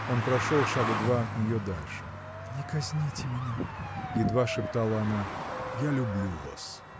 Он прошел шага два от нее дальше. — Не казните меня! — едва шептала она. — Я люблю вас.